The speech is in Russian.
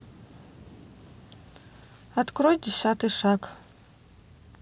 открой десятый шаг